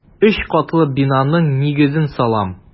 Өч катлы бинаның нигезен салам.